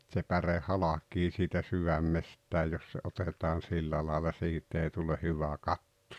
se päre halki siitä sydämestä jos se otetaan sillä lailla siitä ei tule hyvä katto